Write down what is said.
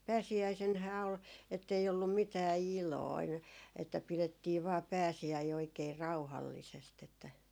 pääsiäisenähän oli että ei ollut mitään iloinen että pidettiin vain pääsiäinen oikein rauhallisesti että